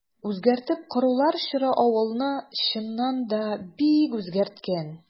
Үзгәртеп корулар чоры авылны, чыннан да, бик үзгәрткән.